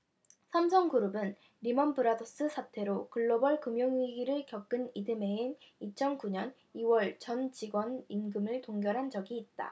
삼성그룹은 리먼브라더스 사태로 글로벌 금융위기를 겪은 이듬해인 이천 구 년 이 월 전 직원 임금을 동결한 적이 있다